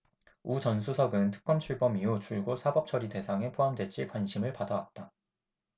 우 전 수석은 특검 출범 이후 줄곧 사법처리 대상에 포함될지 관심을 받아왔다